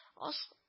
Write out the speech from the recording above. Аз